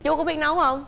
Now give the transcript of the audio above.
chú có biết nấu hông